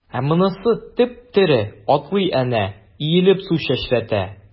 Ә монысы— теп-тере, атлый әнә, иелеп су чәчрәтә.